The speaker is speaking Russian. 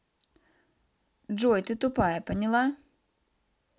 джой ты тупая поняла